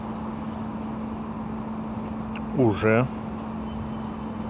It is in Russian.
уже